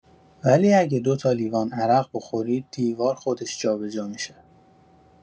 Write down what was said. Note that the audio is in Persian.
ولی اگه دوتا لیوان عرق بخورید دیوار خودش جابجا می‌شه!